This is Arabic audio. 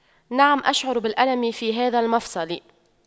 نعم أشعر بالألم في هذا المفصل